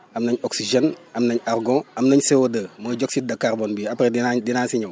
am nañ oxygène am nañ argon am nañ CO2 mooy dioxyde de carbone bi après dinaa dinaa si ñëw